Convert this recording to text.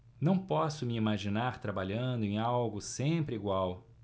não posso me imaginar trabalhando em algo sempre igual